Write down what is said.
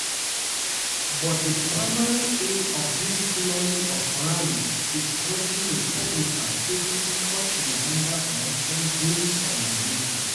But the primary aim of this flurry of rallies is helping Republicans facing touch November elections gain some momentum.